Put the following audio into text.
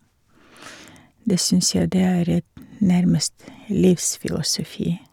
Det syns jeg det er et nærmest livsfilosofi.